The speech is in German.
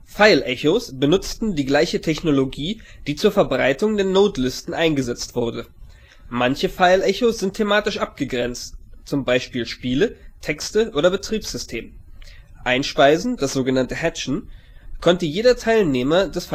Fileechos benutzen die gleiche Technologie, die zur Verbreitung der Nodelisten eingesetzt wurde. Manche Fileechos sind thematisch abgegrenzt, zum Beispiel Spiele, Texte oder Betriebssystem. Einspeisen (sog. Hatchen) konnte jeder Teilnehmer des